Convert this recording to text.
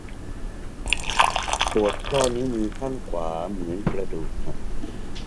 ปวดข้อนิ้วมือข้างขวาเหมือนกระดูกหัก